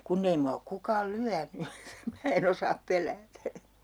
kun ei minua ole kukaan lyönyt että sitten minä en osaa pelätä